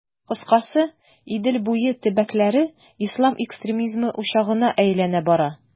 Кыскасы, Идел буе төбәкләре ислам экстремизмы учагына әйләнә бара.